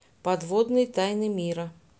подводные тайны мира